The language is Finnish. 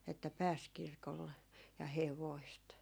että pääsi kirkolle ja hevoset